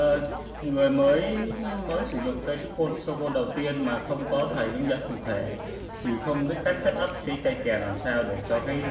người mới tập saxophoen lần đầu mà không có thầy hướng dẫn cụ thể thì không biết cách setup cây kèn